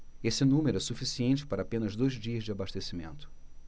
esse número é suficiente para apenas dois dias de abastecimento